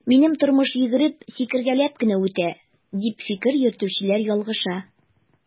Минем тормыш йөгереп, сикергәләп кенә үтә, дип фикер йөртүчеләр ялгыша.